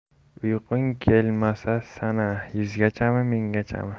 uyqung kelmasa sana yuzgachami minggachami